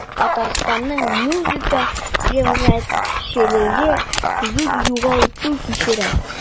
Татарстанның музыка җәмәгатьчелеге зур югалту кичерә.